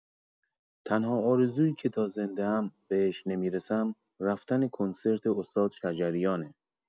تنها آرزویی که تا زنده‌ام بهش نمی‌رسم رفتن به کنسرت استاد شجریانه.